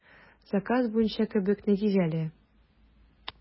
Заказ буенча кебек, нәтиҗәле.